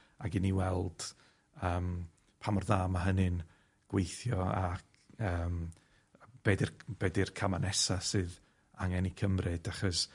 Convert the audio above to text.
ag i ni weld yym pa mor dda ma' hynny'n gweithio, ac yym be' 'di'r c- be' 'di'r cama' nesa sydd angen 'u cymryd achos